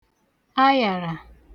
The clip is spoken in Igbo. ayàrà